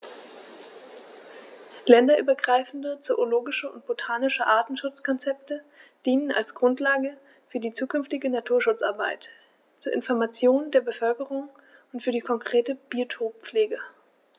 Länderübergreifende zoologische und botanische Artenschutzkonzepte dienen als Grundlage für die zukünftige Naturschutzarbeit, zur Information der Bevölkerung und für die konkrete Biotoppflege.